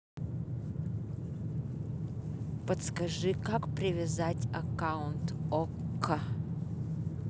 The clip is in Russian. подскажи как привязать аккаунт окко